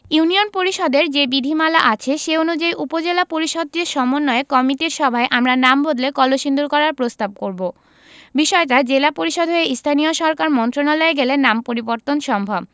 union পরিষদের যে বিধিমালা আছে সে অনুযায়ী উপজেলা পরিষদের সমন্বয় কমিটির সভায় আমরা নাম বদলে কলসিন্দুর করার প্রস্তাব করব বিষয়টা জেলা পরিষদ হয়ে স্থানীয় সরকার মন্ত্রণালয়ে গেলে নাম পরিবর্তন সম্ভব